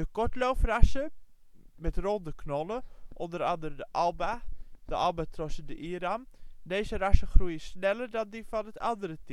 Kortloofrassen met ronde knollen. o.a. ' Alba ',' Albatros ',' Iram '. Deze rassen groeien sneller dan die van het andere